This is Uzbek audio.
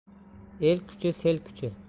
el kuchi sel kuchi